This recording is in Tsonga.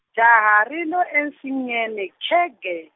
jaha ri lo ensinyeni khegee.